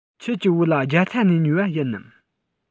ཁྱེད ཀྱི བོད ལྭ རྒྱ ཚ ནས ཉོས པ ཡིན ནམ